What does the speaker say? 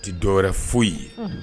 Tɛ dɔw foyi ye